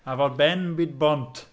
A fo ben bid bont.